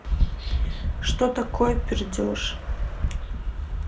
что такое пердеж